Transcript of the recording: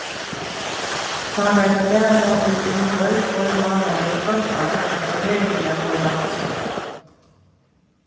tá var tað bara í umleið tveir mánaðir hvørt ár at tað veruliga bleiv dansað